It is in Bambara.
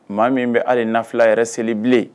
Maa min bɛ hali ni na fila yɛrɛ seli bilen